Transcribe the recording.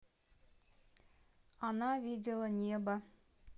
она видела небо